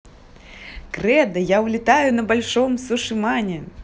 кредо я улетаю на большом сушимане